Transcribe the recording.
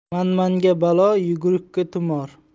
manmanga balo yugurukka tumor